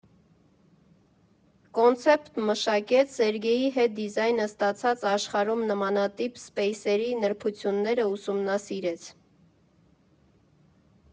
Կոնցեպտ մշակեց, Սերգեյի հետ դիզայնը ստացավ, աշխարհում նմանատիպ սփեյսերի նրբությունները ուսումնասիրեց։